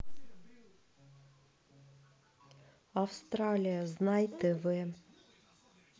австралия знай тв